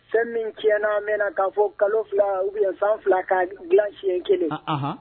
Fɛn min ti n'a bɛna na kaa fɔ kalo fila u san fila ka dilan tiɲɛ kelen